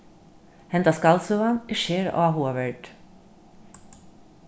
henda skaldsøgan er sera áhugaverd